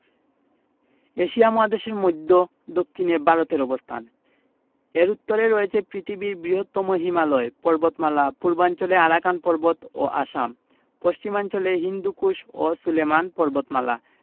Asia মহাদেশের মদ্ধ্য দক্ষিনে ভারতের অবস্থানএর উত্তরে রয়েছে পৃথিবীর বৃহত্তম হিমালয় পর্বতমালা পূর্বাঞ্চলে আরাকান পর্বত ও আসামপশ্চিমাঞ্চলে হিন্দুকুশ ও সুলেমান পর্বতমালা